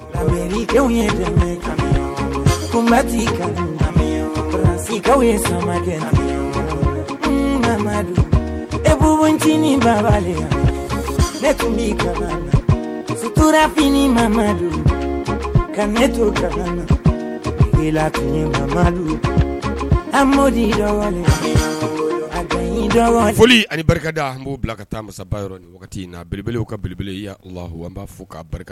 Ti ye sama mamat ba laturafin mamadu ka neto amadudi foli ani barikada b'o bila ka taa masabayɔrɔ ni naw ka beleb yan bba fo ka barika